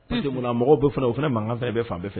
De kunna mɔgɔ bɛ fana o fana mankangan fana bɛ fan bɛɛ fɛ